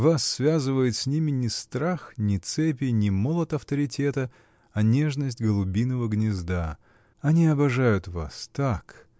Вас связывает с ними не страх, не цепи, не молот авторитета, а нежность голубиного гнезда. Они обожают вас — так.